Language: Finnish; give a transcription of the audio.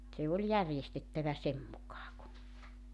se oli järjestettävä sen mukaan kuin